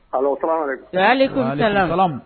Ala